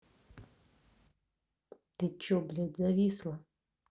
ты че блядь зависла